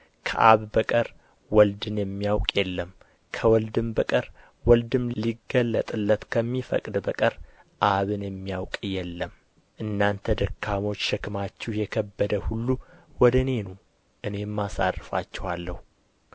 ከአብ በቀር ወልድን የሚያውቅ የለም ከወልድም በቀር ወልድም ሊገለጥለት ከሚፈቅድ በቀር አብን የሚያውቅ የለም እናንተ ደካሞች ሸክማችሁ የከበደ ሁሉ ወደ እኔ ኑ እኔም አሳርፋችኋለሁ